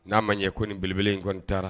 N'a ma ɲɛ ko nin belebele in kɔni taara